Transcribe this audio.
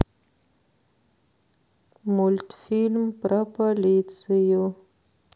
мультфильм про полицию